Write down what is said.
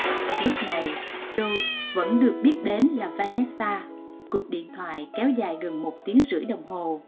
lúc này râu vẫn được biết đến là va nét sa cuộc điện thoại kéo dài gần một tiếng rưỡi đồng hồ